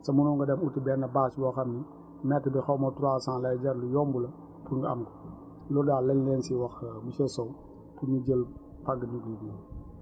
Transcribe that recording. te mënoon nga dem uti benn bâche boo xam ni mètre bi xaw ma trois cent lay jar lu yom la pour nga am ko loolu daal lañ leen si wax monsieur Sow pour ñu jël fagandiku bi